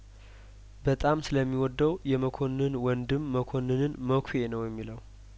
በጣም ስለሚ ወደው የመኮንን ወንድም መኮንንን መኳ ነው የሚለው